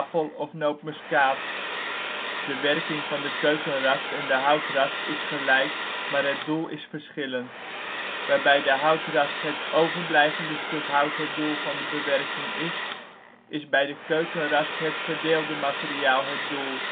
of nootmuskaat. De werking van de keukenrasp en de houtrasp is gelijk, maar het doel is verschillend: waar bij de houtrasp het overblijvende stuk hout het doel van de bewerking is, is bij de keukenrasp het verdeelde materiaal het doel